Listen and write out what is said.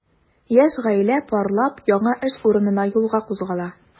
Яшь гаилә парлап яңа эш урынына юлга кузгала.